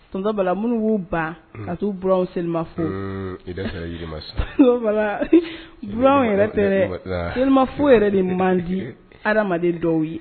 Ba minnu y'u ban ka'u b selima fo b yɛrɛlima foyi yɛrɛ de man di ha adamadama dɔw ye